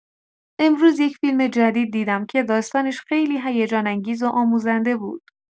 امروز یک فیلم جدید دیدم که داستانش خیلی هیجان‌انگیز و آموزنده بود.